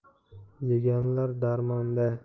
yeganlar darmonda